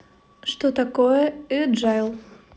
что такое эджайл